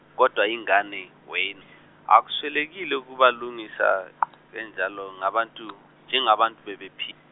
kodwa ingane eweni akuswelekile ukuba alungisa kanjalo ngabantu njengabantu bebephi-.